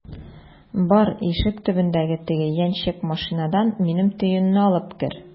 Бар, ишек төбендәге теге яньчек машинадан минем төенне алып кер!